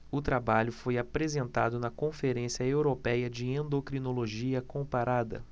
o trabalho foi apresentado na conferência européia de endocrinologia comparada